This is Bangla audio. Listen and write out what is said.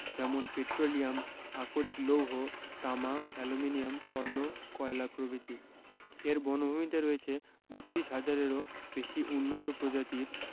যেমন পেট্রোলিয়াম আকরিক লৌহ তামা অ্যালুমিনিয়াম স্বর্ণ কয়লা প্রভৃতি এর বনভূমিতে রয়েছে ৩২ হাজারেরও বেশি উন্নত প্রজাতির